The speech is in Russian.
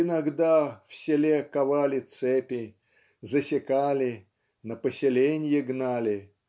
Иногда В селе ковали цепи, засекали, На поселенье гнали.